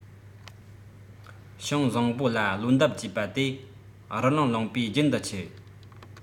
ཤིང བཟང པོ ལ ལོ འདབ རྒྱས པ དེ རི ཀླུང ལུང པའི རྒྱན དུ ཆེ